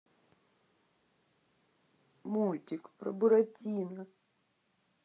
мультик про буратино